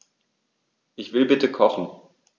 Ich will bitte kochen.